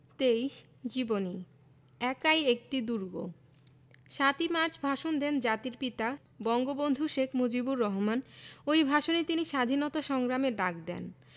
২৩ জীবনী একাই একটি দুর্গ ৭ই মার্চ ভাষণ দেন জাতির পিতা বঙ্গবন্ধু শেখ মুজিবুর রহমান ওই ভাষণে তিনি স্বাধীনতা সংগ্রামের ডাক দেন